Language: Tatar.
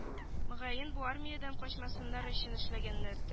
Мөгаен бу армиядән качмасыннар өчен эшләнгәннәр